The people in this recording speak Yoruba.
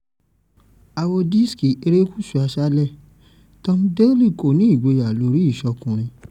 Àwò dísìkì erékùsù aṣálẹ̀: Tom Daley kò ní “ìgboyà” lórí ìṣọkúnrin